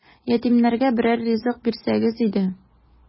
Ятимнәргә берәр ризык бирсәгез иде! ..